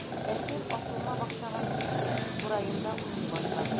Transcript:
Әсир асылма бакчага менеп, кураенда уйный башлый.